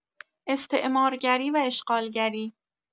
استعمارگری و اشغالگری